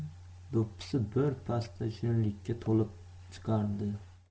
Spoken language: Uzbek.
pasda shirinlikka to'lib chiqardi